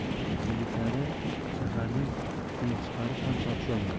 yigitlari shaharning titi pitini chiqarib ham topisholmadi